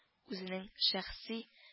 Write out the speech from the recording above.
Үзенең шәхси